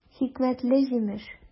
Хикмәтле җимеш!